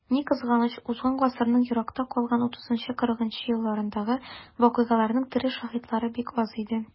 Ни кызганыч, узган гасырның еракта калган 30-40 нчы елларындагы вакыйгаларның тере шаһитлары бик аз инде.